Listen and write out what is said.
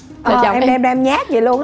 em em em nhát vậy luôn đó